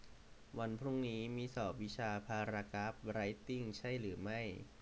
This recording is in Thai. วันพรุ่งนี้มีสอบวิชาพารากราฟไรท์ติ้งใช่หรือไม่